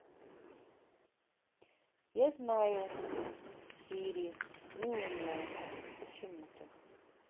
я знаю сири не умная почему то